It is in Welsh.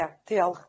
Ia diolch.